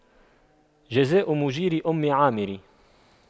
جزاء مُجيرِ أُمِّ عامِرٍ